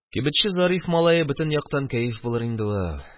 - кибетче зариф малае бөтен яктан кәеф булыр инде ул.